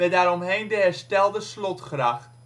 daar omheen de herstelde slotgracht